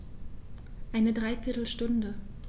Eine dreiviertel Stunde